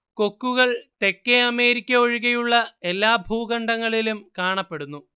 കൊക്കുകൾ തെക്കേ അമേരിക്ക ഒഴികെയുള്ള എല്ലാ ഭൂഖണ്ഡങ്ങളിലും കാണപ്പെടുന്നു